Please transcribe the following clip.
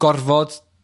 gorfod